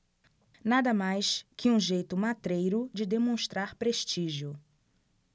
nada mais que um jeito matreiro de demonstrar prestígio